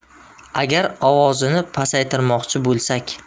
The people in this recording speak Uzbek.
agar ovozini pasaytirmoqchi bo'lsak